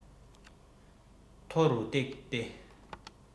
མཐོ རུ བཏེགས ཏེ